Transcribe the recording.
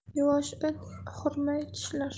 yuvvosh it hurmay tishlar